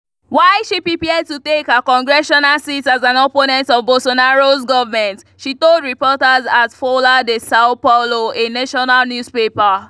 While she prepared to take her congressional seat as an opponent of Bolsonaro’s government, she told reporters at Folha de São Paulo, a national newspaper: